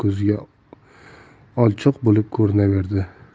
odam ko'ziga olchoq bo'lib ko'rinaverdi